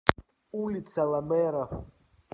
улица ламеров